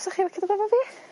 'sach chi licio dod efo fi?